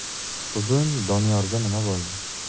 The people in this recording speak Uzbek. bugun doniyorga nima bo'ldi